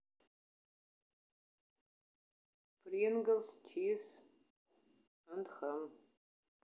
принглс чиз энд хэм